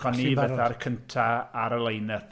O'n i fatha'r cynta ar y line up.